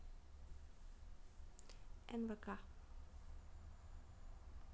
нвк